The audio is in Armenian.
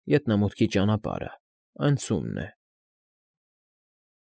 Ետնամուտքի ճանապարհը, այդպես֊ս֊ս։ Անցումն այս֊ս֊ստեղ է…»։